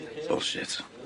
Bullshit.